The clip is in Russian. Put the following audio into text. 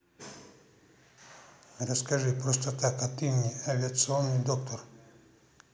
расскажи просто так а ты мне авиационный доктор